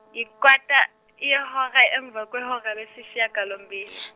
yikwata, yehora emvakwehora lesishagalombili.